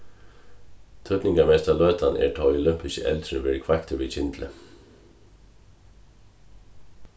týdningarmesta løtan er tá ið olympiski eldurin verður kveiktur við kyndli